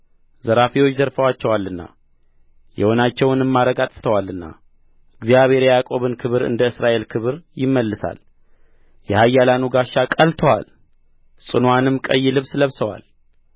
ዘራፊዎች ዘርፈዋቸዋልና የወይናቸውንም አረግ አጥፍተዋልና እግዚአብሔር የያዕቆብን ክብር እንደ እስራኤል ክብር ይመልሳል የኃያላኑ ጋሻ ቀልቶአል ጽኑዓንም ቀይ ልብስ ለብሰዋል